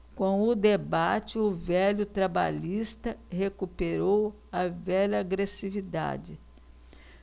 com o debate o velho trabalhista recuperou a velha agressividade